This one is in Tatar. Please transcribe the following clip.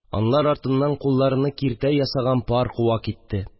Анлар артыннан кулларыны киртә ясаган пар куа китте